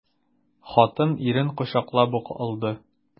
Хатын ирен кочаклап ук алды.